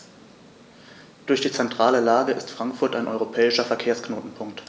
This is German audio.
Durch die zentrale Lage ist Frankfurt ein europäischer Verkehrsknotenpunkt.